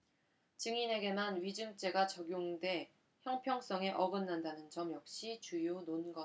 증인에게만 위증죄가 적용돼 형평성에 어긋난다는 점 역시 주요 논거다